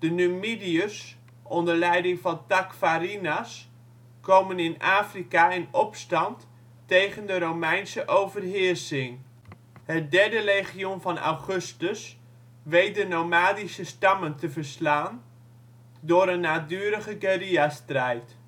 Numidiërs onder leiding van Tacfarinas, komen in Africa in opstand tegen de Romeinse overheersing. Legio III Augusta weet de nomadische stammen te verslaan door een langdurige guerrillastrijd